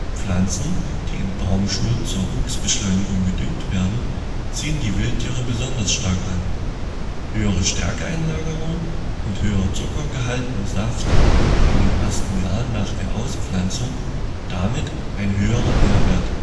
Pflanzen, die in Baumschulen zur Wuchsbeschleunigung gedüngt wurden, ziehen die Wildtiere besonders stark an (höhere Stärkeeinlagerung und höherer Zuckergehalt im Saft in den ersten Jahren nach der Auspflanzung, damit ein höherer Nährwert